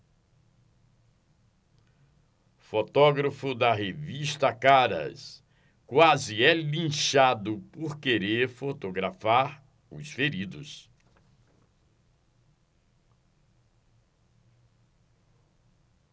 fotógrafo da revista caras quase é linchado por querer fotografar os feridos